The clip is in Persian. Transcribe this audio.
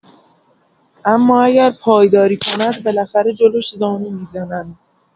اما اگر پایداری کند بالاخره جلوش زانو می‌زنند.